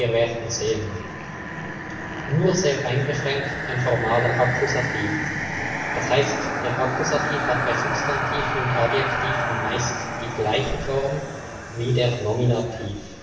werden sehen. nur sehr eingeschränkt ein formaler Akkusativ (das heißt der Akkusativ hat bei Substantiven und Adjektiven meist die gleiche Form wie der Nominativ